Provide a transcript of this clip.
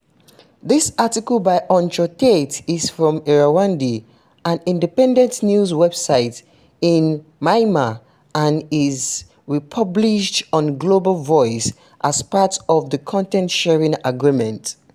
This article by Aung Kyaw Htet is from The Irrawaddy, an independent news website in Myanmar, and is republished on Global Voices as part of a content-sharing agreement.